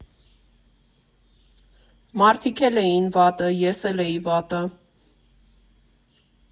Մարդիկ էլ էին վատը, ես էլ էի վատը։